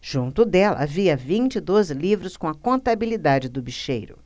junto dela havia vinte e dois livros com a contabilidade do bicheiro